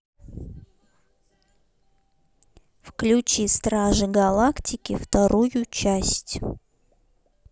включи стражи галактики вторую часть